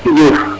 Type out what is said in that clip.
Diouf